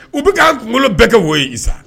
U bɛ'an kunkolo bɛɛ kɛ wo ye sa